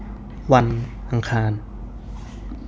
วันอังคาร